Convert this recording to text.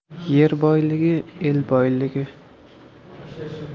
yer boyligi el boyligi